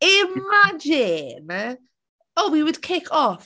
Imagine! Oh he would kick off.